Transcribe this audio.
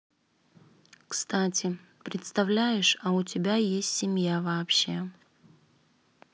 кстати представляешь а у тебя есть семья вообще